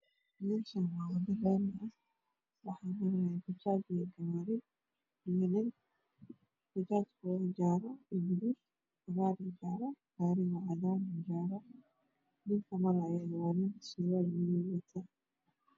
Meshaanwaa wada laami ah waxaa mrayo bajaaj iyo gawaari bajaaja waa cagaar iyi jaalo garigana waa cadaan iyo jaalo